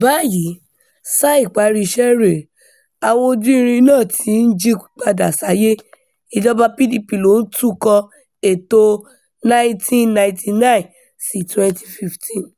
Báyìí, Sáà Ìparí iṣẹ́' rè é, àwọn ojú irin náà ti ń jí padà sáyé.” Ìjọba PDP ló ń tukọ̀ ètò ní 1999 sí 2015.